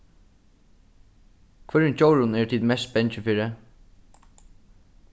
hvørjum djórum eru tit mest bangin fyri